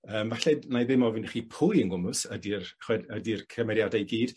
yym falle nâi ddim ofyn i chi pwy yn gwmws ydi'r chwed- ydi'r cymeriade i gyd,